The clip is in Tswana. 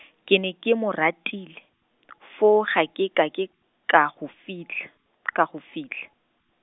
ke ne ke mo ratile, foo ga ke kake, ka go fitlha, ka go fitlha.